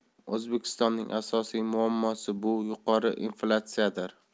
o'zbekistonning asosiy muammosi bu yuqori inflyatsiyadir